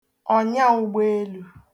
ọ̀nyaụgbọelū